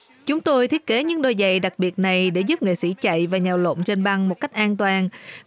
chúng tôi thiết kế những đôi giày đặc biệt này để giúp nghệ sĩ chạy và nhào lộn trên băng một cách an toàn